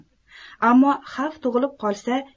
ammo xavf tug'ilib qolsa